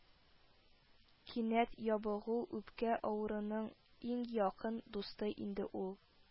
Кинәт ябыгу үпкә авыруының иң якын дусты инде ул